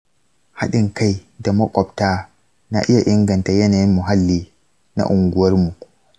haɗin kai da makwabta na iya inganta yanayin muhalli na unguwarmu.